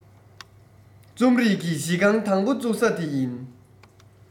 རྩོམ རིག གི གཞི རྐང དང པོ འཛུགས ས དེ ཡིན